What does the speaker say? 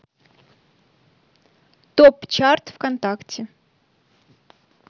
топ чарт вконтакте